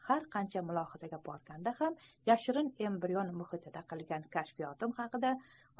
har qancha mulohazaga borganda ham yashirin embrionlar olamida qilgan kashfiyotim haqida